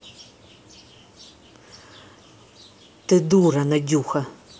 ты дура надюха